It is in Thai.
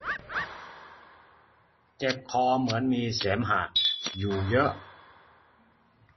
เจ็บคอเหมือนมีเสมหะอยู่เยอะ